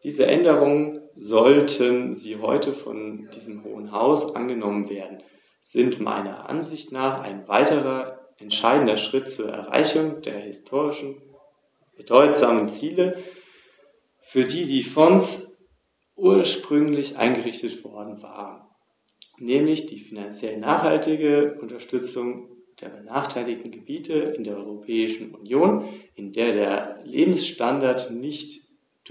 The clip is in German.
Darüber hinaus wird auf die Notwendigkeit einer verstärkten